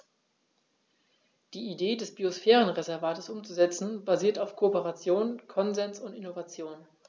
Die Idee des Biosphärenreservates umzusetzen, basiert auf Kooperation, Konsens und Innovation.